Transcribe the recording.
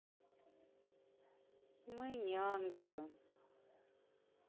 мы не ангелы